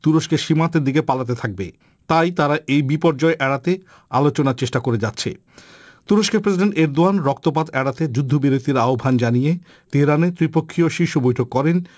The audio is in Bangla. তুরস্কের সীমান্তের দিকে পালাতে থাকবে তাই তারা এই বিপর্যয় এড়াতে আলোচনার চেষ্টা করে যাচ্ছে তুরস্কের প্রেসিডেন্ট এরদোয়ান রক্তপাত এড়াতে যুদ্ধবিরতির আহ্বান জানিয়ে তেহরানের ত্রিপক্ষীয় শীর্ষ বৈঠক করেন